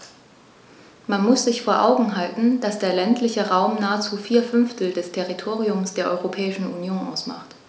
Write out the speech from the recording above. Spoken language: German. Man muss sich vor Augen halten, dass der ländliche Raum nahezu vier Fünftel des Territoriums der Europäischen Union ausmacht.